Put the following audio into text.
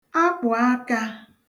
akpụ̀akā